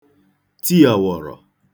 ti àwọ̀rọ̀